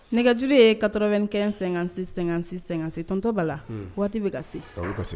Nɛgɛjuru ye 95 56 56 56 tonton Bala, wagati bɛ ka se.